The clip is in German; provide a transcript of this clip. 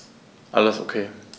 Alles OK.